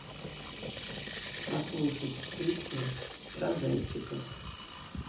послушать песню про зайчиков